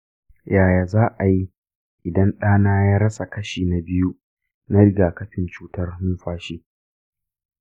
yaya za a yi idan ɗana ya rasa kashi na biyu na rigakafin cutar numfashi?